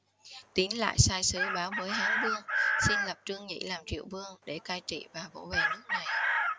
tín lại sai sứ báo với hán vương xin lập trương nhĩ làm triệu vương để cai trị và vỗ về nước này